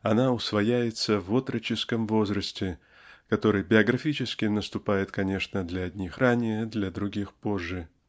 Она усвояется в отроческом возрасте который биографически наступает конечно для одних ранее для других позже.